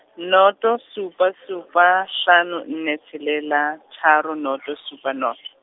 noto supa supa, hlano nne tshelela, tharo noto supa noto.